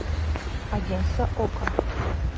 агентство око